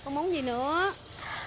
con muốn gì nữa